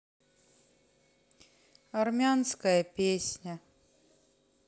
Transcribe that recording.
армянская песня